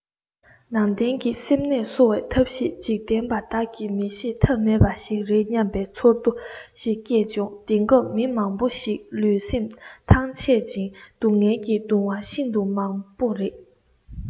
ནང བསྟན གྱི སེམས ནད གསོ བའི ཐབས ཤེས འཇིག རྟེན པ དག གིས མ ཤེས ཐབས མེད པ ཞིག རེད སྙམ པའི ཚོར འདུ ཞིག སྐྱེས བྱུང དེང སྐབས མི མང པོ ཞིག གི ལུས སེམས ཐང ཆད ཅིང སྡུག བསྔལ གྱིས གདུང བ ཤིན ཏུ མང པོ རེད